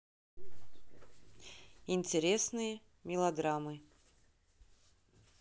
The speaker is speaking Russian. интересные мелодрамы